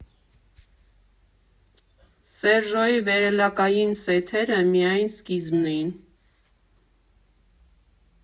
Սերժոյի վերելակային սեթերը միայն սկիզբն էին։